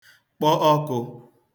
kpọ ọkụ̄